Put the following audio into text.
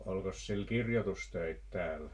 olikos sillä kirjoitustöitä täällä